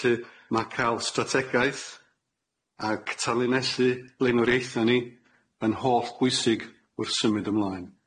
Felly ma' ca'l strategaeth ag tanlinellu blaenoriaethe ni yn hollbwysig wrth symud ymlaen.